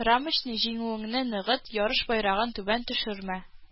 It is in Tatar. Рамочный, җиңүеңне ныгыт, ярыш байрагын түбән төшермә